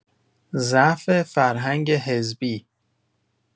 ضعف فرهنگ حزبی